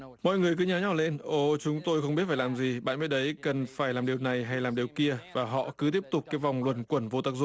mọi người cứ nháo nhào lên ồ chúng tôi không biết phải làm gì bạn biết đấy cần phải làm điều này hãy làm điều kia và họ cứ tiếp tục cái vòng luẩn quẩn vô tác dụng